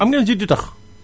am ngeen jus ditax